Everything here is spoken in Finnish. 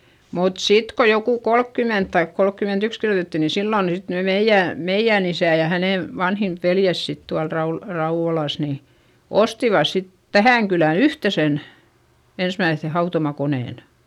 mutta sitten kun joku kolmekymmentä tai kolmekymmentäyksi kirjoitettiin niin silloin sitten ne meidän meidän isä ja hänen vanhin veljensä sitten tuolla - Rauvolassa niin ostivat sitten tähän kylään yhteisen ensimmäisen hautomakoneen